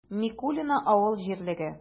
Микулино авыл җирлеге